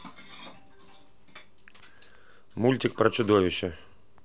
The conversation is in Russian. мультик про чудовище